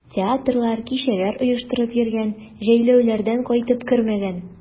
Театрлар, кичәләр оештырып йөргән, җәйләүләрдән кайтып кермәгән.